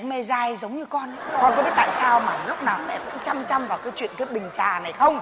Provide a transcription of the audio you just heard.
mê giai giống như con ý con có biết tại sao mà lúc nào mẹ cũng chăm chăm vào cái chuyện cái bình trà này không